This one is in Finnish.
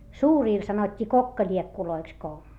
suurille sanottiin kokkaliekuiksi kun